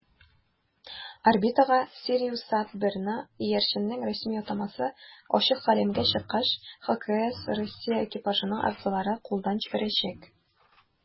Орбитага "СириусСат-1"ны (иярченнең рәсми атамасы) ачык галәмгә чыккач ХКС Россия экипажының әгъзалары кулдан җибәрәчәк.